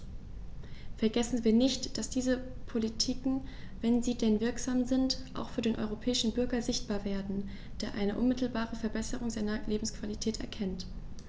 Vergessen wir nicht, dass diese Politiken, wenn sie denn wirksam sind, auch für den europäischen Bürger sichtbar werden, der eine unmittelbare Verbesserung seiner Lebensqualität erkennt!